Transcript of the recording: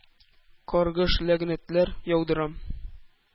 Каргыш-ләгънәтләр яудырам.